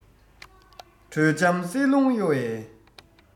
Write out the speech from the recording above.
དྲོད འཇམ བསིལ རླུང གཡོ བའི